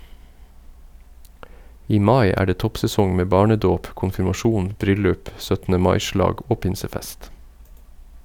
I mai er det toppsesong med barnedåp, konfirmasjon, bryllup , 17. mai-slag og pinsefest.